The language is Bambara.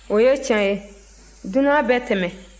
o ye tiɲɛ ye dunan bɛ tɛmɛ